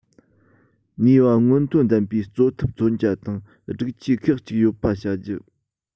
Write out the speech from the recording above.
ནུས པ སྔོན ཐོན ལྡན པའི གཙོ འཐབ མཚོན ཆ དང སྒྲིག ཆས ཁག ཅིག ཡོད པ བྱ རྒྱུ